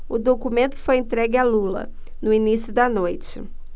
o documento foi entregue a lula no início da noite